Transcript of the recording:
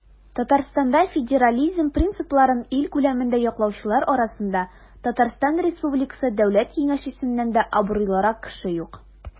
Татарстанда федерализм принципларын ил күләмендә яклаучылар арасында ТР Дәүләт Киңәшчесеннән дә абруйлырак кеше юк.